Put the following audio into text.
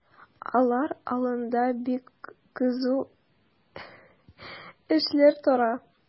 Алар алдында бик кызу эшләр тора.